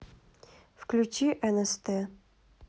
включи нст